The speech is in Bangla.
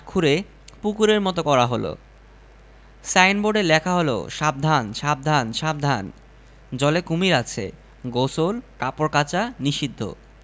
উৎসাহের জোয়ার চলে আসবে কথাটা ভুল বলনি সিদ্দিক সাহেবের মুখ থেকে মন খারাপের ভাব অনেকখানি দূর হয়ে গেল মুখলেস সাহেব পয়ত্রিশ হাজার টাকা নিয়ে ভোরের ট্রেনে ঢাকা চলে গেলেন